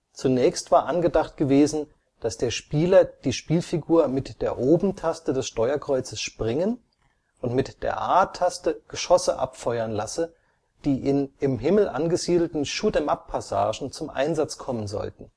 Zunächst war angedacht gewesen, dass der Spieler die Spielfigur mit der Oben-Taste des Steuerkreuzes springen und mit der A-Taste Geschosse abfeuern lasse, die in im Himmel angesiedelten Shoot -' em-up-Passagen zum Einsatz kommen sollten